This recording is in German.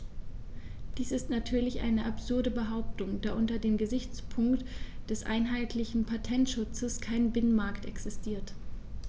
Dies ist natürlich eine absurde Behauptung, da unter dem Gesichtspunkt des einheitlichen Patentschutzes kein Binnenmarkt existiert.